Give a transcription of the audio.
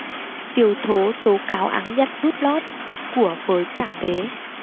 tiều thố tố cáo áng nhận đút lót của với cảnh đế